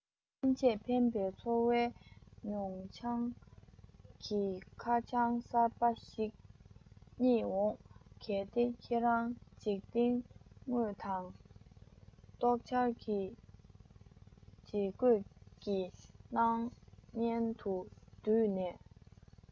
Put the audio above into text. ཕྱིན ཆད ཕན པའི ཚོར བའི མྱོང བྱང གི ཁ བྱང གསར པ ཞིག རྙེད འོང གལ ཏེ ཁྱོད རང འཇིག རྟེན དངོས དང རྟོག འཆར གྱི མཛེས བཀོད ཀྱི སྣང བརྙན དུ བསྡུས ནས